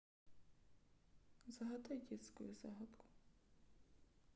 загадай детскую загадку